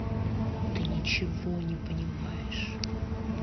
вы ничего не понимаешь